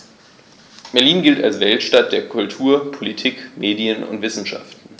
Berlin gilt als Weltstadt der Kultur, Politik, Medien und Wissenschaften.